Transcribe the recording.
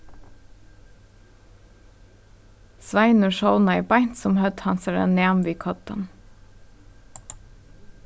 sveinur sovnaði beint sum høvd hansara nam við koddan